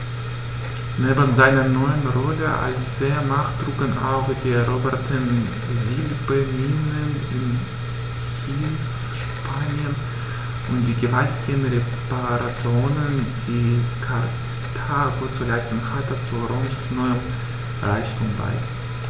Neben seiner neuen Rolle als Seemacht trugen auch die eroberten Silberminen in Hispanien und die gewaltigen Reparationen, die Karthago zu leisten hatte, zu Roms neuem Reichtum bei.